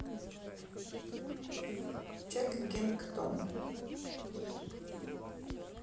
чаггингтон